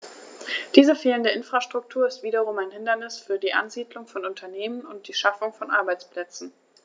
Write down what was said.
Diese fehlende Infrastruktur ist wiederum ein Hindernis für die Ansiedlung von Unternehmen und die Schaffung von Arbeitsplätzen.